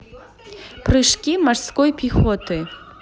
прыжки морской пехоты